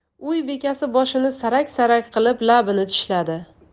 uy bekasi boshini sarak sarak qilib labini tishladi